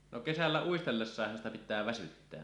no kesällä uistellessahan sitä pitää väsyttää